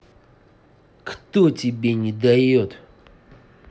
так кто тебе не дает